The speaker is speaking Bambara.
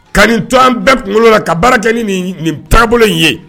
Ka nin to an bɛɛ kunkolo la, ka baara kɛ ni ni nin taabolo in ye